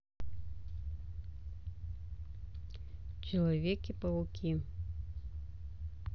человеки пауки